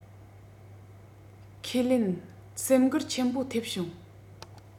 ཁས ལེན སེམས འགུལ ཆེན པོ ཐེབས བྱུང